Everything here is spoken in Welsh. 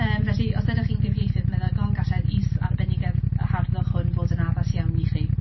Yym felly, os ydych chi'n gyfieithydd meddygol, gallai'r is-arbenigedd yy harddwch hwn fod yn addas iawn i chi.